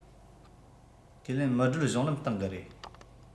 ཁས ལེན མི བགྲོད གཞུང ལམ སྟེང གི རེད